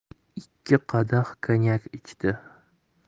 ikki qadah konyak ichdi